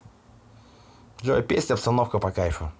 джой песня обстановка по кайфу